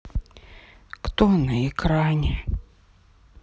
кто на экране